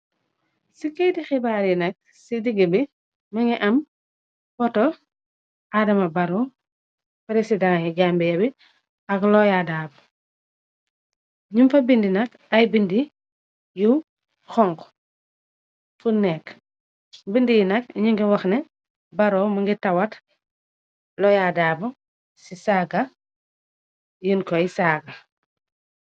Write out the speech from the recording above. Ci keyti xibaar yi nak ci digg bi mëngi am poto aadama baro president yi gambee bi ak loyaa daabo ñum fa bindi nak ay bindi yu kong 1u nekk bind yi nak ñënga waxne baro mu ngi tawat loyaadaab ci saaga yin koy saaga.